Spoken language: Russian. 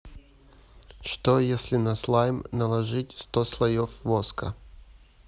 что если на слайм наложить сто слоев воска